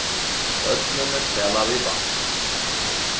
børnini spæla við vatn